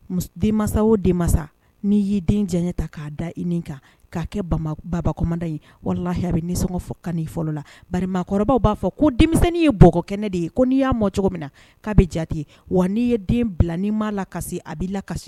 Den o den masa n'i y'i den jan ta k'a da i nin kan k'a kɛ babada in walahi a bɛ nisɔngɔ fɔ ka fɔlɔ la bakɔrɔba b'a fɔ ko denmisɛnninnin ye bɔgɔkɛnɛ de ye ko n'i y'a ma cogo min na k'a bɛ jate wa n'i ye den bila nii ma laka a bɛ laka